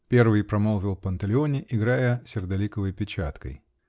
-- первый промолвил Панталеоне, играя сердоликовой печаткой.